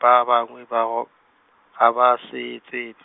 ba bangwe ba g-, ga ba se tsebe.